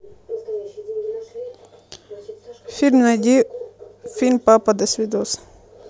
фильм найди фильм папа досвидос